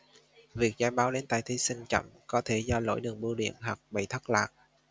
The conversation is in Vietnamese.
việc giấy báo đến tay thí sinh chậm có thể do lỗi đường bưu điện hoặc bị thất lạc